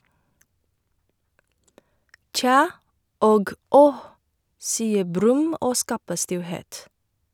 "Tja" og "Åh!", sier Brumm og skaper stillhet.